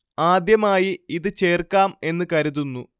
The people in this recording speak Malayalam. ആദ്യമായി ഇത് ചേർക്കാം എന്ന് കരുതുന്നു